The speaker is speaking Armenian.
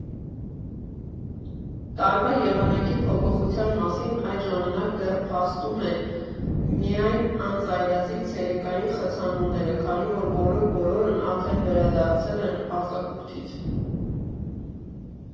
Տարվա եղանակի փոփոխության մասին այդ ժամանակ դեռ փաստում են միայն անծայրածիր ցերեկային խցանումները, քանի որ բոլոր֊բոլորն արդեն վերադարձել են արձակուրդից։